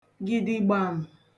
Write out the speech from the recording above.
gìdìgbàm